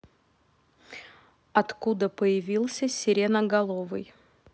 откуда появился сиреноголовый